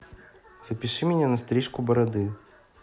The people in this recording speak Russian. запиши меня на стрижку бороды